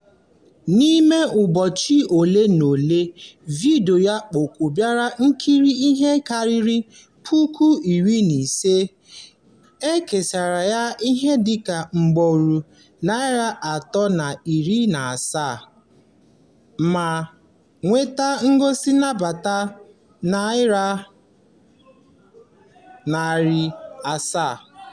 N'ime ụbọchị ole na ole, vidiyo ya kpokọbara nkiri ihe karịrị puku 60, e kesara ya ihe dị ka ugboro 350 ma nweta ngosi nnabata 700.